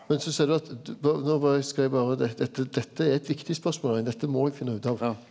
men så seier du at skal eg berre dette dette er eit viktig spørsmål, dette må eg finne ut av.